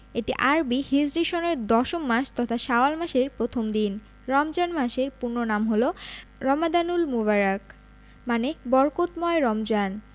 এটি আরবি হিজরি সনের দশম মাস তথা শাওয়াল মাসের প্রথম দিন রমজান মাসের পূর্ণ নাম হলো রমাদানুল মোবারক মানে বরকতময় রমজান